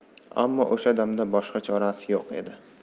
ammo o'sha damda boshqa chorasi yo'q edi